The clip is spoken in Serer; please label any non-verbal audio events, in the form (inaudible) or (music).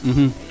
(hesitation) (hesitation)